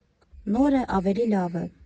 Նորը, ավելի լավը։